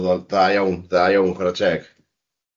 O'dd o dda iawn, dda iawn, chwarae teg.